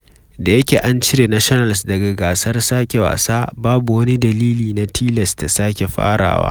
Da yake an cire Nationals daga gasar sake wasa, babu wani dalili na tilasta sake farawa.